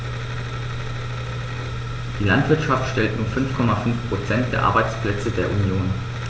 Die Landwirtschaft stellt nur 5,5 % der Arbeitsplätze der Union.